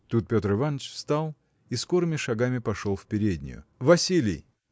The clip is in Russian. Тут Петр Иваныч встал и скорыми шагами пошел в переднюю. – Василий!